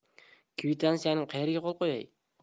kvitansiyaning qayeriga qo'l qo'yay